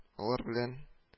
Алар белән